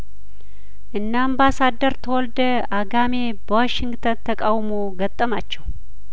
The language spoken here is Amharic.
እነ አምባሳደር ተወልደ አጋሜ በዋሽንግተን ተቃውሞ ገጠማቸው